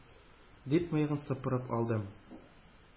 Дип, мыегын сыпырып алды.